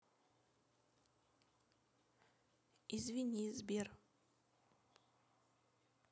извини сбер